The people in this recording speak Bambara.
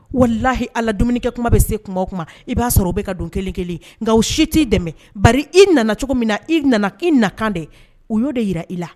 Walahi ala dumuniinikɛ kuma bɛ se kuma i b'a sɔrɔ o bɛ ka don kelen kelen nka si t'i dɛmɛ ba i nana cogo min na i nana i na kan de u y'o de jira i la